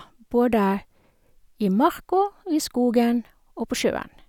Både i marka, og i skogen og på sjøen.